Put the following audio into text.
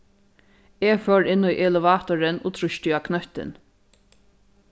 eg fór inn í elevatorin og trýsti á knøttin